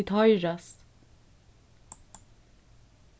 vit hoyrast